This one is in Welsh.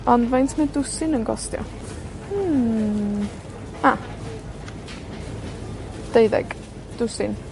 Ond faint ma' dwsin yn gostio. Hmm. Ah. Deuddeg. Dwsin.